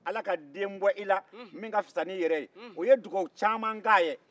ala ka den bɔ i la min ka fisa ni yɛrɛ ye o ye duwawu caman k'a ye